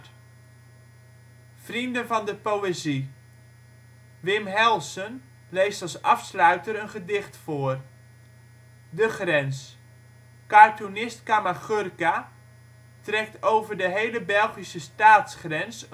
Vrienden van de Poëzie: Wim Helsen leest als afsluiter een gedicht voor. De Grens: Cartoonist Kamagurka trekt over de hele Belgische staatsgrens